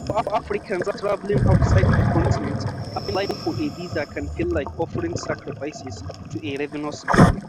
For Africans traveling outside the continent, applying for a visa can feel like offering sacrifices to a ravenous god.